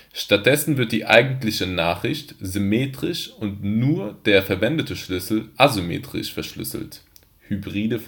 Stattdessen wird die eigentliche Nachricht symmetrisch und nur der verwendete Schlüssel asymmetrisch verschlüsselt (Hybride